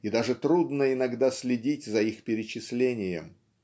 и даже трудно иногда следить за их перечислением.